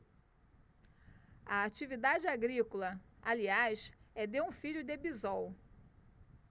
a atividade agrícola aliás é de um filho de bisol